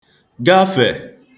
gafè